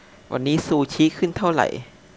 วันนี้ซูชิขึ้นเท่าไหร่